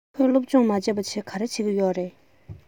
ཁོས སློབ སྦྱོང མ བྱས པར ག རེ བྱེད ཀྱི ཡོད རས